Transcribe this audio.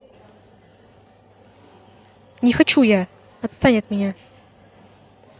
не хочу я отстань от меня